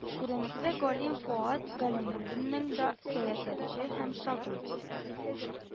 Күренекле галим фоат галимуллинның да, сәясәтче һәм шагыйрь